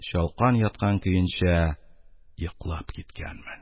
Чалкан яткан көенчә йоклап киткәнмен.